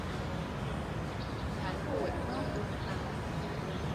ฉันปวดรอบดวงตา